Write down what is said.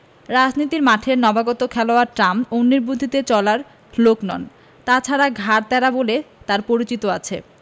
রাজনীতির মাঠের নবাগত খেলোয়াড় ট্রাম্প অন্যের বুদ্ধিতে চলার লোক নন তা ছাড়া ঘাড় ত্যাড়া বলেও তাঁর পরিচিত আছে